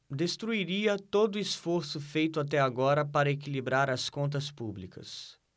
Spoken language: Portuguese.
destruiria todo esforço feito até agora para equilibrar as contas públicas